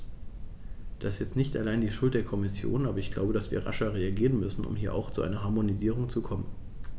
Das ist jetzt nicht allein die Schuld der Kommission, aber ich glaube, dass wir rascher reagieren müssen, um hier auch zu einer Harmonisierung zu kommen.